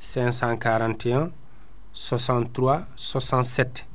541 63 67